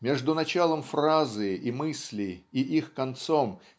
между началом фразы и мысли и их концом